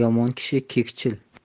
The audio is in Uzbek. yomon kishi kekchil